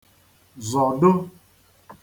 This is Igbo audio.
zọ̀do